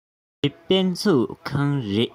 འདི དཔེ མཛོད ཁང རེད